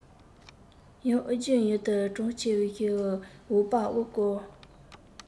ཡང ཨུ རྒྱན ཡུལ དུ གྲུབ ཆེན བི འོག པ དབུ བསྐོར